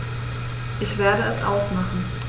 Ich werde es ausmachen